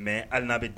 Mɛ hali n'a bɛ